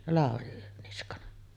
Lauri Niskanen